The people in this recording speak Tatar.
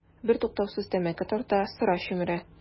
Бертуктаусыз тәмәке тарта, сыра чөмерә.